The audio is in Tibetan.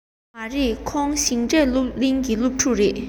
མ རེད ཁོང ཞིང འབྲོག སློབ གླིང གི སློབ ཕྲུག རེད